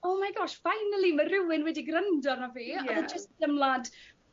oh my gosh finally ma' rywun wedi gryndo arno fi o'dd yn jyst dymlad